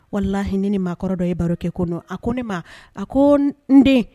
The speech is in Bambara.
Wala hin ne ni maa kɔrɔ dɔ i baro kɛ ko a ko ne a ko n den